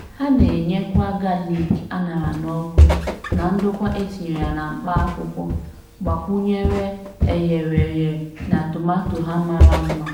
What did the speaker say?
Ha na-enyekwa galik a ṅara n'ọkụ na ndukwu etinyere na mkpaakwụkwọ, gbakwunyere eghereghe na tomato ha mara mma.